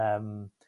Yym.